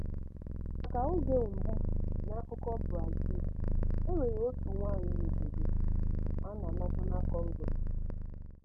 Maka oge mbụ n'akụkọ Brazil, e nwere otu nwaanyị obodo a na National Congress.